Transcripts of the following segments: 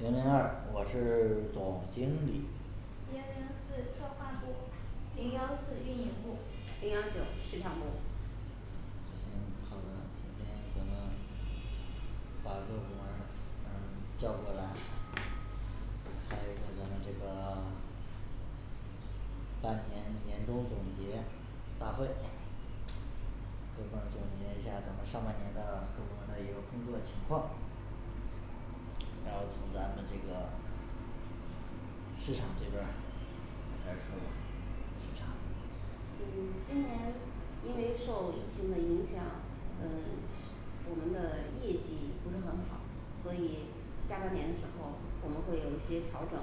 零零二我是 总经理零零四策划部零幺四运营部零幺九市场部行好的，那今天咱们把各部门儿嗯叫过来开一个咱们这个半年年中总结大会这块儿总结一下咱们上半年的部门儿的一个工作情况然后从咱们这个市场这边儿开始说吧市场嗯今年因为受疫情的影响嗯我们的业绩不是很好所以下半年的时候我们会有一些调整，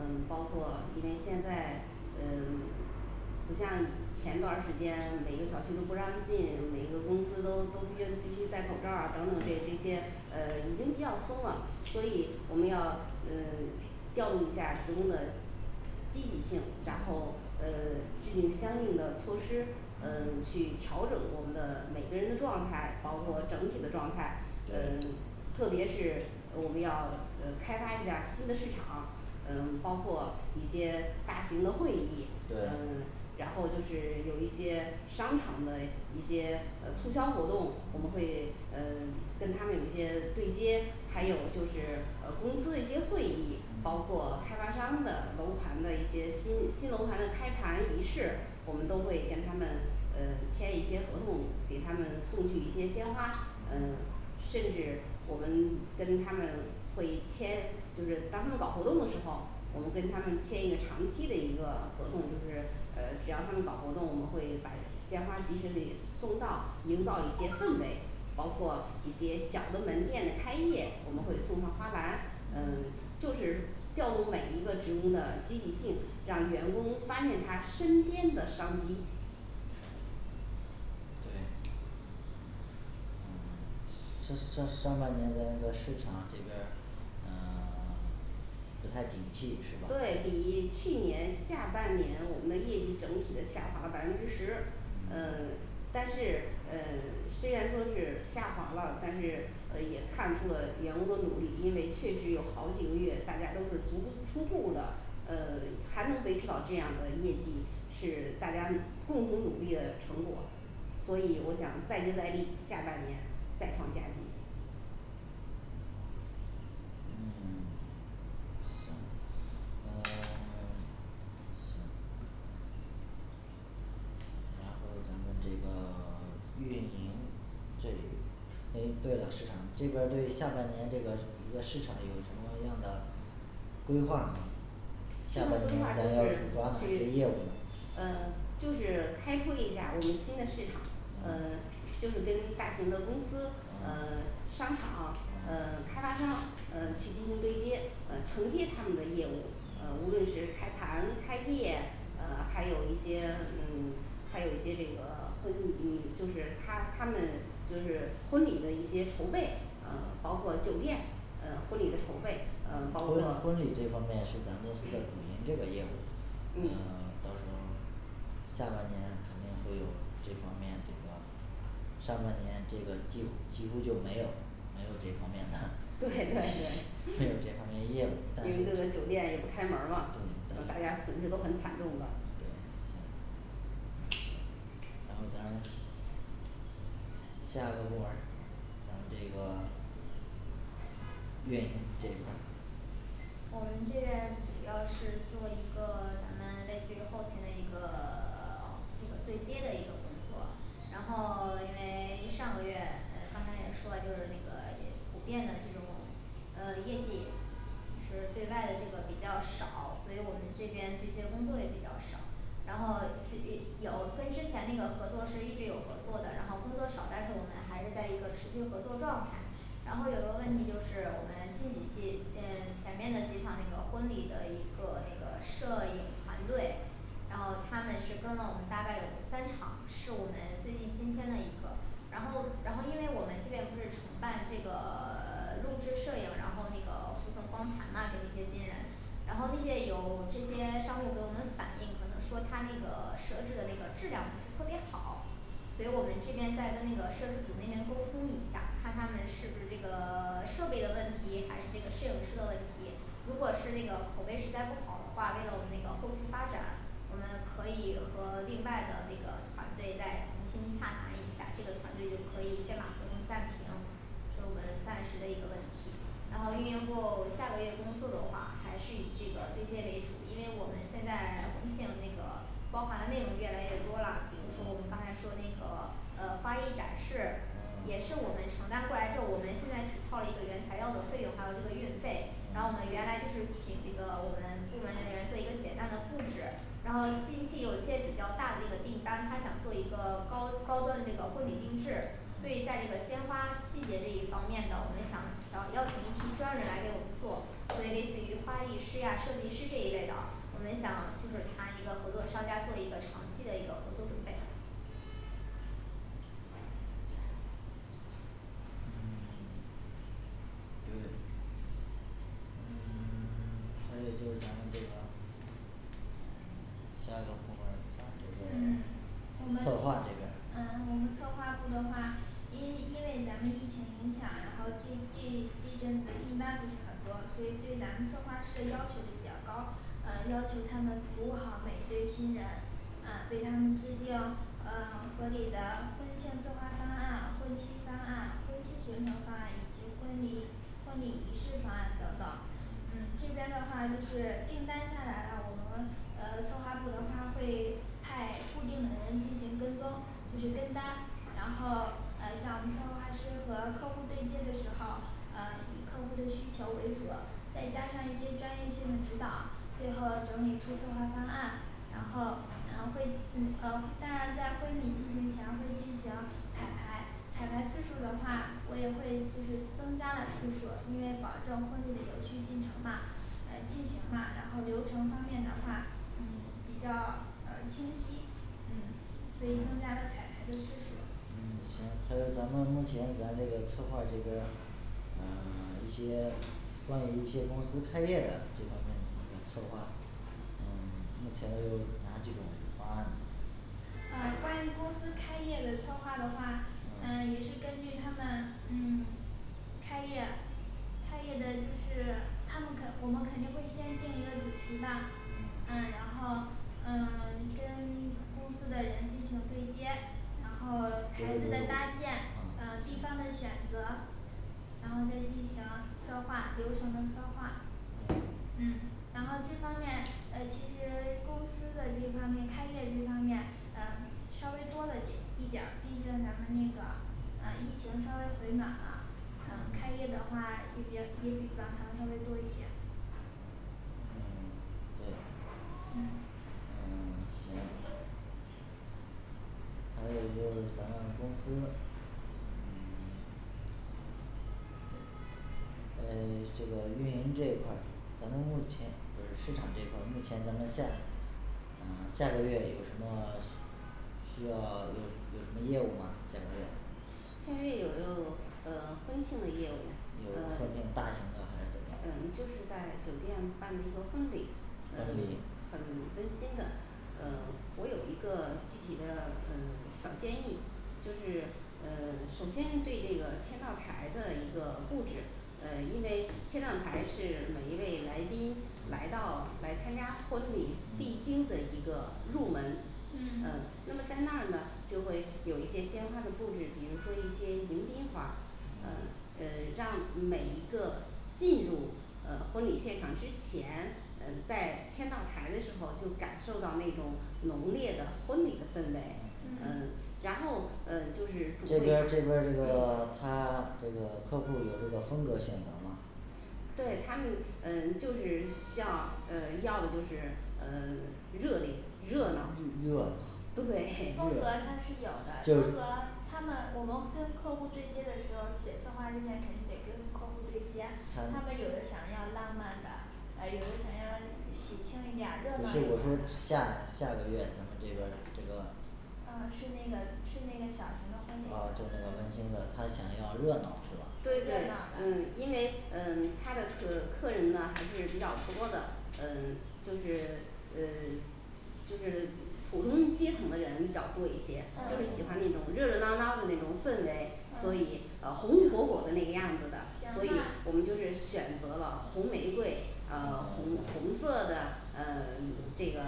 嗯包括因为现在嗯不像前段儿时间每个小区都不让进，每个公司都都必应必须戴口罩儿等等这这嗯些呃已经比较松了所以我们要嗯调动一下职工的积极性然后嗯制定相应的措施呃去调整我们的每个人的状态，包括嗯整体的状态呃嗯。特别是我们要呃开发一下新的市场，嗯包括一些大型的会议对嗯然后就是有一些商场的一些呃促销活动，我们会嗯跟他们有一些对接还有就是呃公司一些会议，包括开发商的楼盘的一些新新楼盘的开盘仪式我们都会跟他们呃签一些合同，给他们送去一些鲜花嗯甚至我们跟他们会签，就是当他们搞活动的时候我们跟他们签一个长期的一个合同，就是呃只要他们搞活动，我们会把鲜花及时给送到营造一些氛围包括一些小的门店的开业，我们会送上花篮嗯嗯就是调动每一个职工的积极性，让员工发现他身边的商机对嗯这这上半年的市场这边儿嗯 不太景气是吧对比去年下半年我们的业绩整体的下滑了百分之十，呃嗯但是呃虽然说是下滑了但是呃也看出了员工的努力，因为确实有好几个月大家都是足不出户的，呃还能维持到这样的业绩，是大家共同努力的成果，所以我想再接再厉，下半年再创佳绩嗯 行那 然后咱们这个 运营这个哦对了市场这边儿对下半年这个一个市场有什么样的规划下下半半规年划就是咱要主抓那些业是务呢呃就是开拓一下我们新的市场嗯呃就是跟大型的公司嗯呃、商场呃嗯、开发商呃去进行对接，呃承接他们的业务嗯，呃无论是开盘开业，呃还有一些嗯还有一些这个婚嗯就是他他们就是婚礼的一些筹备嗯，包括酒店嗯婚礼的筹备，嗯嗯包括婚婚礼这方面是咱们公司的主营基本业务嗯嗯到时候下半年肯定会有这方面的一个上半年这个几几乎就没有，没有这方面的 对对对， 没有这方面业因为各个酒务店也不开门儿嘛，嗯大家损失都很惨重的然后咱下一个部门儿咱们这个运营这一块儿我们这边主要是做一个咱们类似于后勤的一个 这个对接的一个工作然后 因为 上个月呃刚才也说了就是那个也 普遍的这种呃业绩就是对外的这个比较少，所以我们这边对接工作也比较少然后有跟之前那个合作是一直有合作的，然后工作少，但是我们还是在一个持续合作状态然后有一个问题就是我们近几期嗯前面的几场的那个婚礼的一个那个摄影团队然后他们是跟了我们大概有三场是我们最近新添的一个然后然后因为我们这边不是承办这个 录制摄影，然后那个服从光盘吧给那些新人然后那些有这些商户给我们反映可能说他那个设施的那个质量不是特别好所以我们这边再跟那个设施组那边沟通一下，看他们是不是这个 设备的问题，还是这个摄影师的问题。 如果是那个口碑实在不好的话，为了我们那个后续发展我们可以和另外的那个团队再重新洽谈一下，这个团队就可以先把合同暂停这是我们暂时的一个问题。然后运营部下个月工作的话还是以这个对接为主因为我们现在微信的那个包含的内容越来越多了，比如说我们说嗯刚才说那个嗯花艺展示，也嗯是我们承担过来之后，我们现在只套了一个原材料的费用还有这个运费，然后我们嗯原来就是请这个我们部门的人做一个简单的布置然后近期有一些比较大的那个订单，他想做一个高高端的这个婚礼定制，所嗯以在那个鲜花细节这一方面呢，我们想想邀请一批专人来给我们做，所以嗯类似于花艺师呀设计师这一类的，我们想就是谈一个合作商家做一个长期的一个合作准备嗯 就是嗯 所以就是咱们这个嗯 下个部门儿嗯嗯我们策划这边儿嗯我们策划部的话，因因为咱们疫情影响，然后这这这阵子订单不是很多，所以对咱们策划师的要求就比较高，嗯要求他们服务好每一对新人啊为他们制定呃合理的婚庆策划方案，后期方案、分析行成方案以及婚礼婚礼仪式方案等等。嗯这边的话就是订单下来了，我们呃策划部的花会派固定的人进行跟踪就去跟单，然后呃像我们策划师和客户对接的时候，啊以客户的需求为主再加上一些专业性的指导，最后整理出策划方案，然后往常会嗯呃当然在婚礼进行前会进行彩排彩排次数的话，我也会就是增加了次数，因为保证婚礼的有序进行嘛来进行吗然后流程方面的话嗯比较呃清晰，嗯所以增加了彩排的次数。嗯行还有咱们目前咱这个策划这边儿嗯 一些关于一些公司开业的这方面的策划嗯目前都有哪几种方案？呃关于公司开业的策划的话嗯嗯也是根据他们嗯开业开业的人是他们我们肯定会先定一个主题吧嗯然后嗯跟公司的人进行对接然后台子的搭建嗯呃地方的选择然后再进行策划流程的策划嗯然后这方面呃其实公司的这方面开业这方面呃稍微多了点一点儿，毕竟咱们那个呃疫情稍微回暖了呃开业的话这边也比多一点嗯 对嗯嗯 行还有就是咱们公司嗯 嗯这个运营这一块儿咱们目前就是市场这一块儿，目前咱们下嗯下个月有什么需要有有什么业务吗现在现在又有呃婚庆的业是务，那呃种大型的还是怎么嗯着就是在酒店办的一个婚礼呃婚礼很温馨的呃我有一个具体的呃小建议，就是呃首先对这个签到台的一个布置呃因为前两台是每一位来宾来到来参加婚礼必经的一个入门，呃嗯那么在那儿呢就会有一些鲜花的布置，比如说一些迎宾花呃嗯嗯让每一个进入呃婚礼现场之前，呃在签到台的时候就感受到那种浓烈的婚礼的氛围。呃然后呃就是主这会边儿这场边儿这个他这个客户有这个风格性选择吗对他们嗯就是要嗯要的就是嗯热烈热闹热闹对风格热他是有闹的风就格他们我们跟客户对接的时候写策划之前肯定得跟客户对接，他们他们有的想要浪漫的啊有的想要喜庆一点儿热不闹一是点我儿说的下下个月咱们这边儿这个哦是那个是那个小型的婚哦礼就是那个温馨的，她想要热闹是吧？对对热闹，的嗯因为嗯他的客客人呢还是比较多的嗯就是嗯就是普通阶层的人比较多一些，就是嗯喜欢那种热热闹闹的那种氛围，所嗯以呃红红火火的那个样子的所缴以我纳们就是选择了红玫瑰，呃红红色的呃这个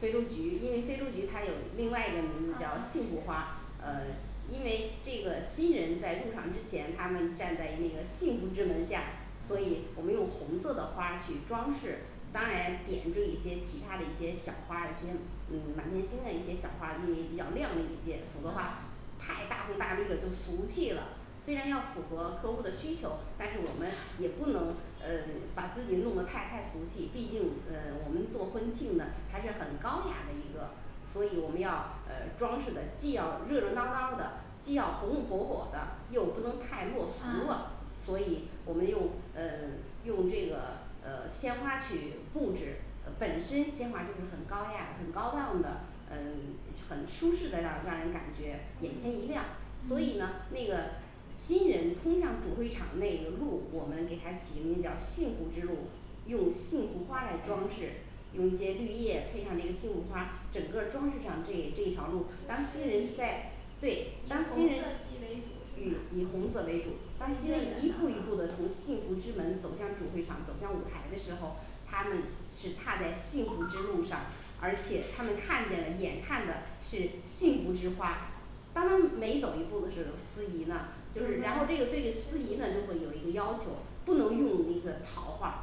非洲菊因为非洲菊他有另外一个名字叫做幸啊福花，呃因为这个新人在入场之前，他们站在那个幸福之门下所以我们用红色的花去装饰，当然点缀一些其他的一些小花，一些嗯满天星的一些小花因为比较靓丽一点否则话嗯太大红大绿了就俗气了，虽然要符合客户的需求，但是我们也不能呃把自己弄得太太俗气，毕竟呃我们做婚庆还是很高雅的一个所以我们要呃装饰的既要热热闹闹的，既要红红火火的，又不能太落俗嗯了所以我们用嗯用这个呃鲜花去布置，呃本身鲜花就是很高雅很高档的嗯很舒适的让人让人感觉眼前一亮，所以呢那个新人通向主会场那个路，我们给它起名叫幸福之路用幸福花来装饰，用一些绿叶配上这个幸福花，整个装饰上这这条路。当新人在对以红当色新系人为主于以红色为主对热热闹闹，当新的一步一步的从幸福之门走向主会场，走向舞台的时候，他们是踏在幸福之路上，而且他们看见的眼看的是幸福之花当他每走一步的时司仪呢就是然后这个对着司仪呢就会有一个要求，不能用一个套话儿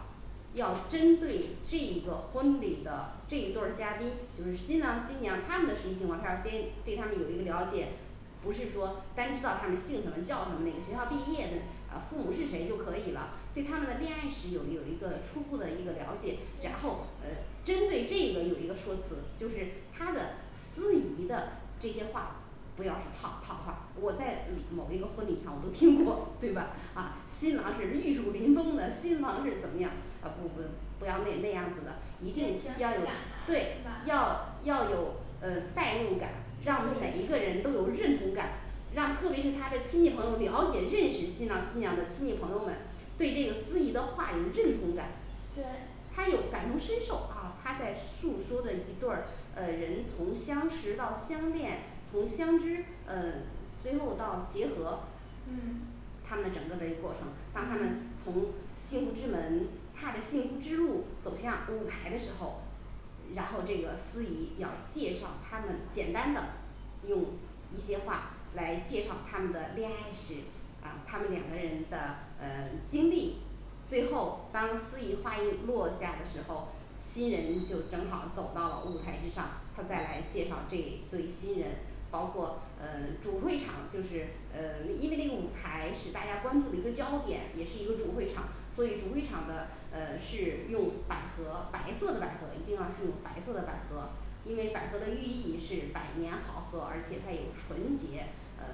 要针对这个婚礼的这对儿嘉宾，就是新郎新娘他们的实际情况，他要先对他们有一个了解不是说单知道他们姓什么叫哪个学校毕业的，啊父母是谁就可以了，对他们的恋爱史有有一个初步的一个了解，然后呃针对这个有一个说辞，就是他的司仪的这些话不要是套套话儿，我在嗯某一个婚礼上我都听过 对吧？啊新郎是玉树临风的，新郎是怎么样？呃不不不要那那样子的一真定情实感要有吧是对，吧要要有呃代入感，让我们每一个人都有认同感让特别是他的亲戚朋友了解认识新郎新娘的亲戚朋友们，对这个司仪的话有认同感对他有感同身受，啊他在述说着一对儿呃人从相识到相恋从相知呃最后到结合嗯他们的整个的一个过程，当他们从幸福之门踏着幸福之路走向舞台的时候然后这个司仪要介绍她们简单的用一些话来介绍他们的恋爱史，啊她们两个人的呃经历。最后当司仪话一落下的时候，新人就正好儿走到舞台之上，他再来介绍这对新人包括呃主会场，就是呃因为那个舞台是大家关注的一个焦点，也是一个主会场所以主会场的呃是用百合白色的百合一定要是用白色的百合，因为百合的寓意是百年好合，而且它有纯洁嗯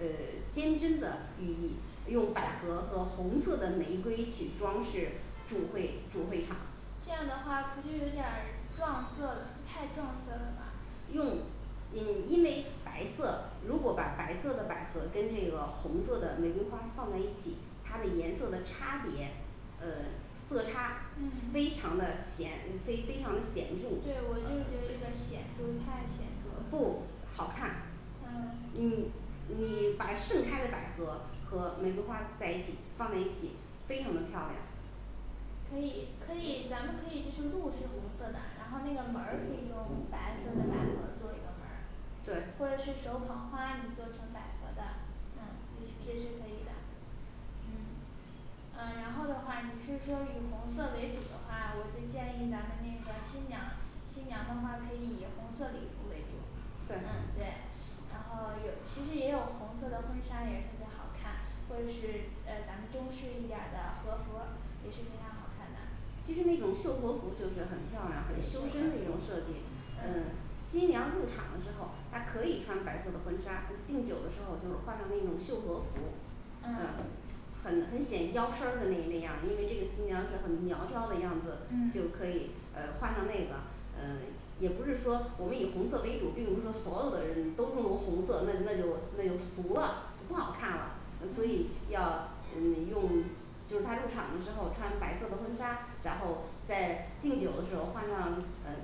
呃坚贞的寓意，用百合和红色的玫瑰去装饰主会主会场这样的话不就有点儿撞色太撞色了吧。用嗯因为白色如果把白色的百合跟这个红色的玫瑰花放在一起，它的颜色的差别呃色差非嗯常的显呃非非常的显著对我就觉得这个显就太显著不，好看了，嗯你你把盛开的百合和玫瑰花在一起放在一起，非常的漂亮可以可以咱们可以就是路是红色的，然后那个门儿可以用白色的百合做一个门儿。对或者是手捧花，你做成百合的嗯也是也是可以的嗯呃然后的话你是说以红色为主的话，我就建议咱们那个新娘新娘的话可以以红色礼服为主。嗯对对然后有其实也有红色的婚纱也是特别好看，或者是呃咱们中式一点儿的禾服儿也是非常好看的其实那种秀禾服就是很漂亮很对秀修禾身的一种设服计，嗯呃新娘入场的时候她可以穿白色的婚纱，敬酒的时候就换成那种秀禾服嗯嗯很很显腰身儿的那那样儿，因为这个新娘是很苗条的样子，嗯就可以呃换上那个。嗯也不是说我们以红色为主，并不是说所有的人都用红色，那就那就那就俗了就不好看了呃所以要嗯用就是他入场的时候穿白色的婚纱，然后在敬酒的时候换上呃